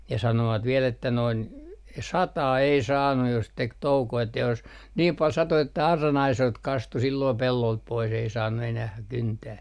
ja sanoivat vielä että noin sataa ei saanut jos teki toukoa että jos niin paljon satoi että auran aisoilta kastui silloin pellolta pois ei saanut enää kyntää